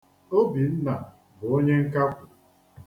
Obinna bụ onye nkakwu.